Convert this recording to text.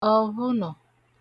ọ̀vhụnọ̀